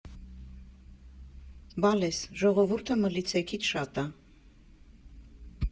֊ Բալես, ժողովուրդը մլիցեքից շատ ա։